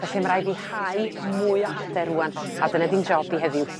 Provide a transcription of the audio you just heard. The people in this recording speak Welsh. Felly ma' raid fi hau mwy o hade rŵan a dyna din job i heddiw.